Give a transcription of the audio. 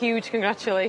Huge congratulations.